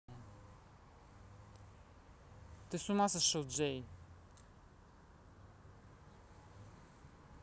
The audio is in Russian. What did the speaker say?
ты с ума сошел джей